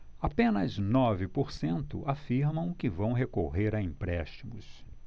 apenas nove por cento afirmam que vão recorrer a empréstimos